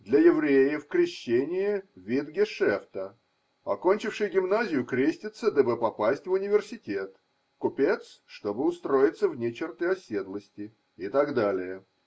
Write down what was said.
Для евреев крещение – вид гешефта: окончивший гимназию крестится, дабы попасть в университет, купец, чтобы устроиться вне черты оседлости, и так далее.